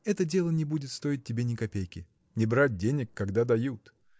– это дело не будет стоить тебе ни копейки. – Не брать денег, когда дают!